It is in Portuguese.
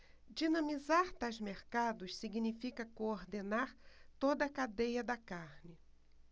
dinamizar tais mercados significa coordenar toda a cadeia da carne